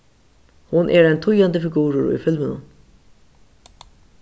hon er ein týðandi figurur í filminum